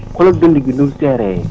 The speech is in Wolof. xoolal dund gi ni mu seeree